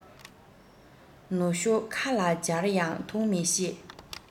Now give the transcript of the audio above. ནུ ཞོ ཁ ལ སྦྱར ཡང འཐུང མི ཤེས